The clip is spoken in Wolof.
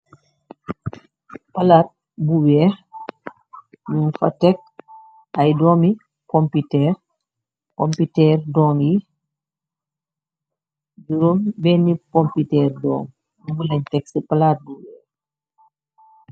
Palaat bu weex, ñun fa tekk ay doomi pomputeer. Pomputëer doŋ yi róo ben pomputeer dooŋ, numu lañ texti palaat bu weex.